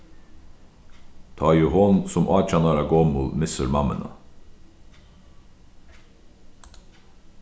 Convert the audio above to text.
tá ið hon sum átjan ára gomul missir mammuna